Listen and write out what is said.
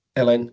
Elen.